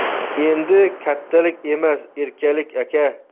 endi kattalik emas erkalik aka